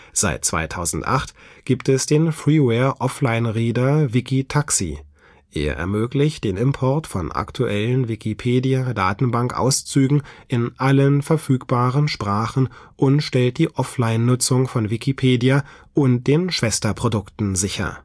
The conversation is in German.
Seit 2008 gibt es den Freeware Offline-Reader WikiTaxi. Er ermöglicht den Import von aktuellen Wikipedia-Datenbankauszügen in allen verfügbaren Sprachen und stellt die Offline-Nutzung von Wikipedia und den Schwesterprodukten sicher